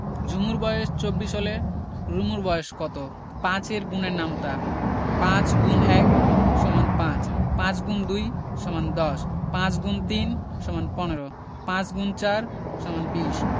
ঝুমুর বয়স ২৪ হলে রুমুর বয়স কত ৫ এর গুণের নামতা ৫× ১ = ৫ ৫× ২ = ১০ ৫× ৩ = ১৫ ৫× ৪ = ২০